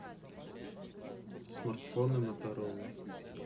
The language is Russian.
смартфоны motorola